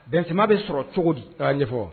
Dɛsɛ bɛ sɔrɔ cogo ɲɛfɔ